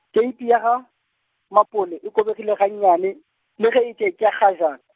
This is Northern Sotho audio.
keiti ya gaMapole e kobegile gannyane, le ge e ke ke ya kgajan- .